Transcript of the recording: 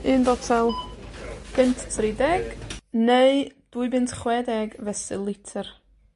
un botel punt tri deg, neu dwy bunt chwe deg fesul lityr.